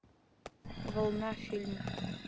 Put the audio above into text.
волна фильм